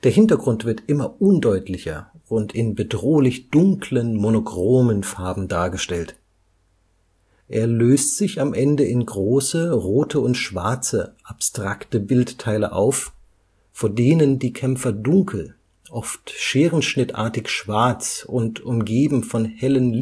Hintergrund wird immer undeutlicher und in bedrohlich dunklen, monochromen Farben dargestellt. Er löst sich am Ende in große rote und schwarze, abstrakte Bildteile auf, vor denen die Kämpfer dunkel, oft scherenschnittartig schwarz und umgeben von hellen